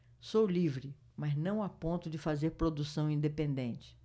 sou livre mas não a ponto de fazer produção independente